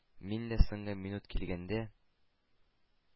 Мин дә соңгы минут килгәндә,